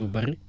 du bari